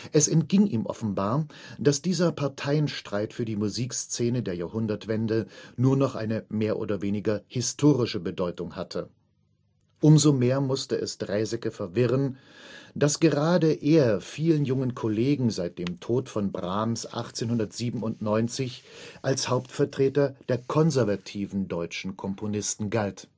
Es entging ihm offenbar, dass dieser Parteienstreit für die Musikszene der Jahrhundertwende nur noch eine mehr oder weniger historische Bedeutung hatte. Umso mehr musste es Draeseke verwirren, dass gerade er vielen jungen Kollegen seit dem Tod von Brahms 1897 als Hauptvertreter der konservativen deutschen Komponisten galt